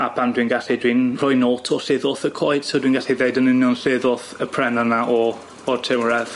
A pan dwi'n gallu dwi'n rhoi note o lle ddoth y coed so dwi'n gallu ddeud yn union lle ddoth y pren yna o o'r tirwredd.